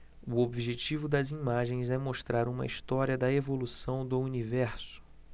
o objetivo das imagens é mostrar uma história da evolução do universo